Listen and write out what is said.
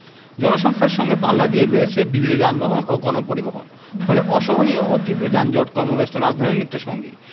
জনসংখ্যার সঙ্গে পাল্লা দিয়ে বেড়েছে বিবিধ যানবাহন ও গণপরিবহন ফলে অসহনীয় ও তীব্র যানজট কর্মব্যস্ত রাজধানীর নিত্যসঙ্গী